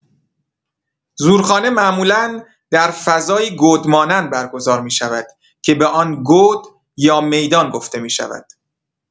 زورخانه معمولا در فضایی گود مانند برگزار می‌شود که به آن گود یا میدان گفته می‌شود.